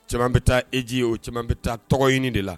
Caman bɛ taa heji o caman bɛ taa tɔgɔ ɲini de la.